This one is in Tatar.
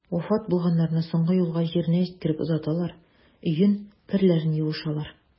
Вафат булганнарны соңгы юлга җиренә җиткереп озаталар, өен, керләрен юышалар.